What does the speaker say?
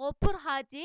غوپۇر ھاجى